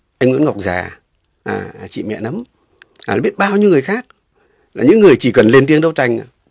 anh nguyễn ngọc già chị mẹ nấm à biết bao nhiêu người khác những người chỉ cần biết lên tiếng đầu tranh thôi